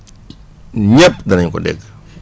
ñëpp danañ ko dégg